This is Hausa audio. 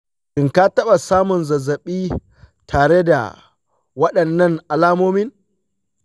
shin ka taɓa samun zazzaɓi tare da waɗannan alamomin?